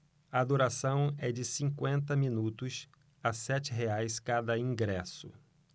a duração é de cinquenta minutos a sete reais cada ingresso